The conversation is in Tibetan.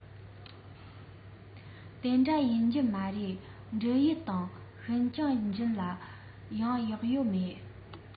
དེ འདྲ ཡིན གྱི མ རེད འབྲུག ཡུལ དང ཤིན ཅང རྒྱུད ལ ཡང གཡག ཡོད རེད